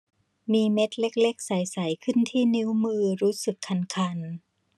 มีเม็ดเล็กเล็กใสใสขึ้นที่นิ้วมือรู้สึกคันคัน